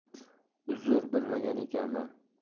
uzr bilmagan ekanman